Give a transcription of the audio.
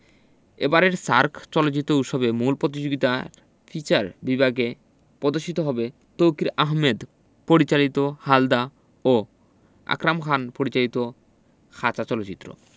এবারের সার্ক চলচ্চিত্র উৎসবের মূল পতিযোগিতা ফিচার বিভাগে পদর্শিত হবে তৌকীর আহমেদ পরিচালিত হালদা ও আকরাম খান পরিচালিত খাঁচা চলচ্চিত্র